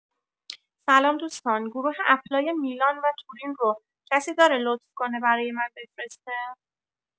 سلام دوستان، گروه اپلای میلان و تورین رو کسی داره لطف کنه برای من بفرسته؟